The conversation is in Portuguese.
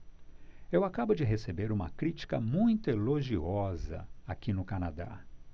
eu acabo de receber uma crítica muito elogiosa aqui no canadá